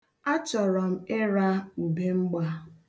Achọrọ m ịra ubemgba.